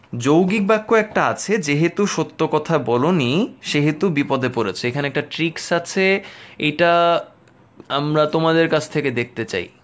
যৌগিক বাক্য একটা আছে যেহেতু সত্য কথা বলো নি সেহেতু বিপদে পড়েছ এখানে একটা ট্রিক্স আছে এটা আমরা তোমাদের কাছ থেকে দেখতে চাই